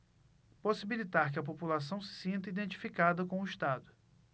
possibilitar que a população se sinta identificada com o estado